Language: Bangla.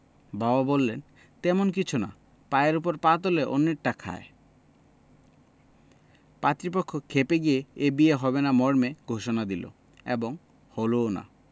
বাবা বললেন তেমন কিছু না পায়ের ওপর পা তুলে অন্যেরটা খায় পাত্রীপক্ষ খেপে গিয়ে এ বিয়ে হবে না মর্মে ঘোষণা দিল এবং হলোও না